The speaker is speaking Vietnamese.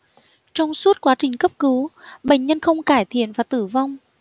trong suốt quá trình cấp cứu bệnh nhân không cải thiện và tử vong